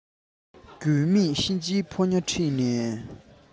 རྒྱུས མེད གཤིན རྗེ ཕོ ཉས ཁྲིད ནས